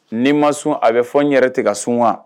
Ni ma sun a bɛ fɔ n yɛrɛ tigɛ ka sun wa